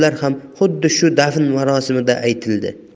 gaplar ham xuddi shu dafn marosimida aytili